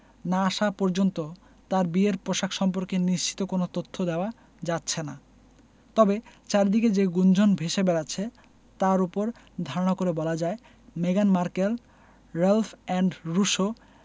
না আসা পর্যন্ত তাঁর বিয়ের পোশাক সম্পর্কে নিশ্চিত কোনো তথ্য দেওয়া যাচ্ছে না তবে চারদিকে যে গুঞ্জন ভেসে বেড়াচ্ছে তার ওপর ধারণা করে বলা যায় মেগান মার্কেল রেলফ এন্ড রুশো